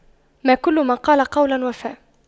ما كل من قال قولا وفى